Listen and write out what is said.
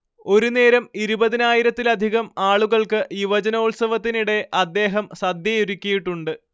ഒരുനേരം ഇരുപതിനായിരത്തിലധികം ആളുകൾക്ക് യുവജനോത്സവത്തിനിടെ അദ്ദേഹം സദ്യയൊരുക്കിയിട്ടുണ്ട്